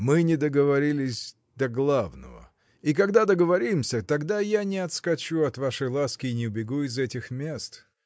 — Мы не договорились до главного — и, когда договоримся, тогда я не отскочу от вашей ласки и не убегу из этих мест.